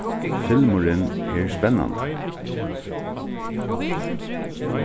filmurin er spennandi